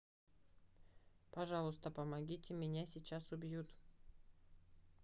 пожалуйста помогите мне меня сейчас убьют